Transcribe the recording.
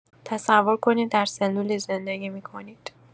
تصور کنید در سلولی زندگی می‌کنید.